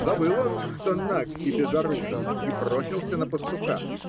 Забыл он, что наг и безоружен, и бросился на пастуха.